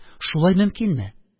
«шулай мөмкинме?